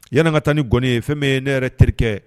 Yan ka taa ni gnen ye fɛn bɛ ye ne yɛrɛ terikɛ kɛ